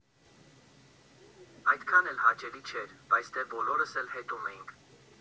Այդքան էլ հաճելի չէր, բայց դե բոլորս էլ հետևում էինք։